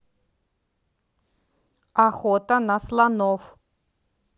охота на слонов